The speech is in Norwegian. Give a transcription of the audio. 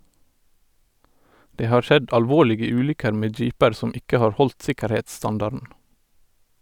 Det har skjedd alvorlige ulykker med jeeper som ikke har holdt sikkerhetsstandarden.